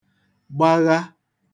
gbagha